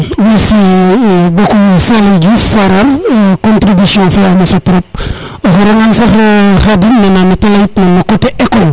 Monsieur serigne Diouf Faraar contribution fe wa mosa trop o nana ngan sax Khadim nana nete leyit na npo coté école